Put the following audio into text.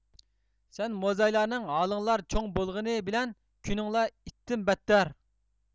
سەن موزايلارنىڭ ھالىڭلار چوڭ بولغىنى بىلەن كۈنۈڭلار ئىتتىن بەتتەر